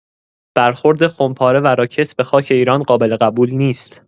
برخورد خمپاره و راکت به خاک ایران قابل‌قبول نیست.